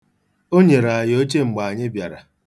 O nyere anyị oche mgbe anyị bịara.